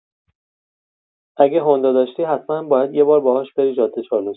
اگه هوندا داشتی، حتما باید یه بار باهاش بری جاده‌چالوس!